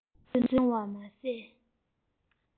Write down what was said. བཟོས གནང བ མ ཟད